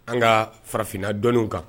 An ka farafinna dɔɔninw kan